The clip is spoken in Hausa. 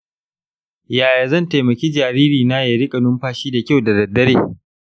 yaya zan taimaki jaririna ya riƙa numfashi da kyau da daddare?